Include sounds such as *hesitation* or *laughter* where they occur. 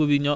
*hesitation* *hesitation*